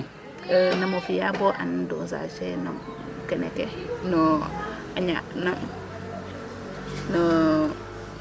Nam o fi'aa bo ans dosage fene no kene ke no na no .